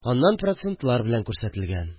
Аннан процентлар белән күрсәтелгән